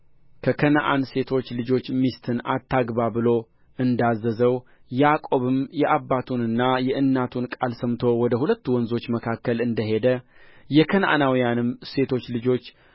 ከከነዓን ሴቶች ልጆች ሚስትን አታግባ ብሎ እንዳዘዘው ያዕቆብም የአባቱንና የእናቱን ቃል ሰምቶ ወደ ሁለቱ ወንዞች መካከል እንደሄደ የከነዓናውያንም ሴቶች ልጆች